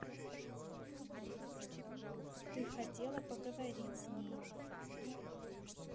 ты хотела поговорить с ней